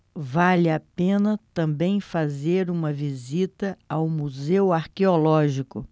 vale a pena também fazer uma visita ao museu arqueológico